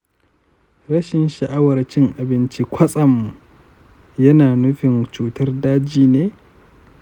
rashin sha’awar cin abinci kwatsam yana nufin cutar daji ne?